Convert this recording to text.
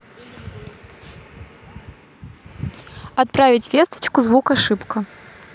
отправить весточку звук ошибка